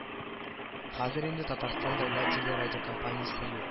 Хәзер инде татарстан дәүләт телерадиокомпаниясе юк